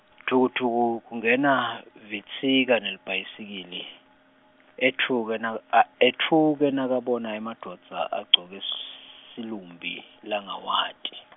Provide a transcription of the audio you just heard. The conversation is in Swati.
Dvukudvuku, kungena, Vitsika nelibhayisikili, etfuke naka, etfuke nakabona emadvodza, agcoke, s- silumbi, langawati .